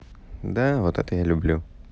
да вот это я люблю